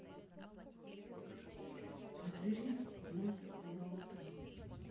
подбери музыку на утро